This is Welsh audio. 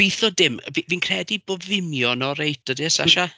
Gobeithio dim. Fi fi'n credu bod Vimeo yn ôl-reit odi e Sasha?